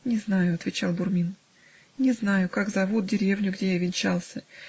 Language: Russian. -- Не знаю, -- отвечал Бурмин, -- не знаю, как зовут деревню, где я венчался